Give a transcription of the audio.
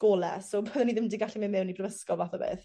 gole sb byddwn i ddim 'di gallu myn' mewn i brifysgol fath o beth.